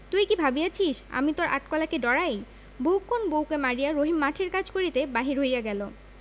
তুই কি ভাবিয়াছি আমি তোর আট কলাকে ডরাই বহুক্ষণ বউকে মারিয়া রহিম মাঠের কাজ করিতে বাহির হইয়া গেল